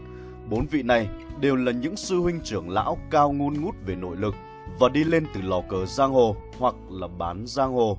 vị này đều là những sư huynh trưởng lão cao ngut ngút về nội lực và đi lên từ lò cờ giang hồ hoặc bán giang hồ